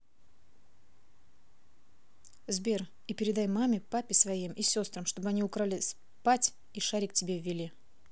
сбер и передай маме папе своим и сестрам чтобы они украли спать и шарик тебе вели